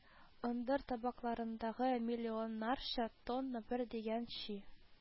Ындыр табакларындагы миллионнарча тонна бер дигән чи